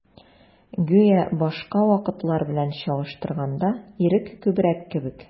Гүя башка вакытлар белән чагыштырганда, ирек күбрәк кебек.